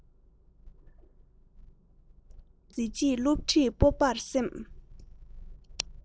དཀའ བ གཟི བརྗིད སློབ ཁྲིད སྤོབས པར སེམས